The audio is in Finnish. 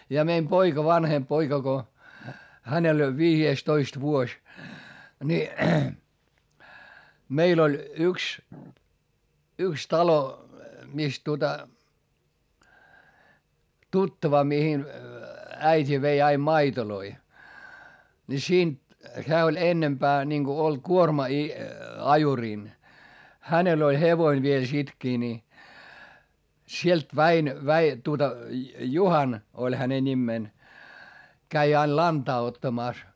ja meidän poika vanhempi poika kun hänellä oli viidestoista vuosi niin meillä oli yksi yksi talo missä tuota tuttava mihin äiti vei aina maitoja niin siitä hän oli enempää niin kuin oli kuorma - ajurin hänellä oli hevonen vielä sittenkin niin sieltä -- tuota Juhana oli hänen nimensä kävi aina lantaa ottamassa